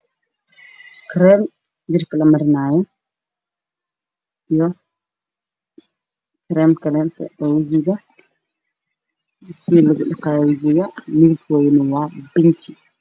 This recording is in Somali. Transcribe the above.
Waa kareen ku jiro caagad midabkoodii yihiin beer